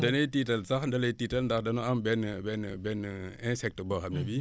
da lay tiital sax da lay tiital ndax dañoo am benn benn benn insecte boo xam ne bii